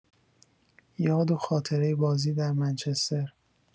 یاد و خاطره بازی در منچستر